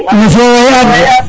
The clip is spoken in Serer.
nam fiyo ye ad